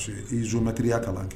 Parce iiomatiriya kalan kɛ